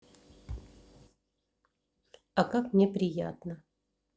а как мне приятно